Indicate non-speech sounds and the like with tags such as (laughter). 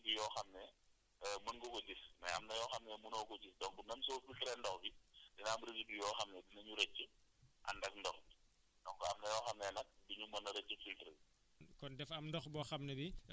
parce que résidus yi am na résidus yoo xam ne (hesitation) mën nga ko gis mais am na yoo xam ne mënoo ko gis donc même soo gisee ndox bi dina am résidu yoo xam ne dinañu rëcc ànd ak ndox mi donc am na yoo xam ne nag du ñu mën a rëcc filtre